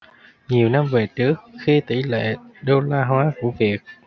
nhiều năm về trước khi tỷ lệ đô la hóa của việt